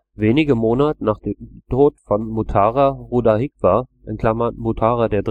Wenige Monate nach dem Tod von Mutara Rudahigwa (Mutura III